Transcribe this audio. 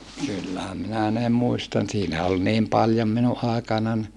kyllähän minä ne muistan siinä oli niin paljon minun aikanani